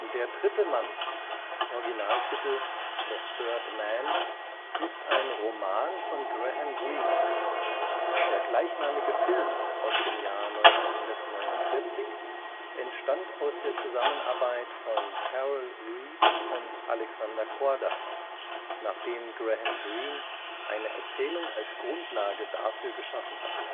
Der dritte Mann (Originaltitel The Third Man) ist ein Roman von Graham Greene. Der gleichnamige Film aus dem Jahr 1949 entstand aus der Zusammenarbeit von Carol Reed und Alexander Korda, nachdem Graham Greene eine Erzählung als Grundlage dafür geschaffen hatte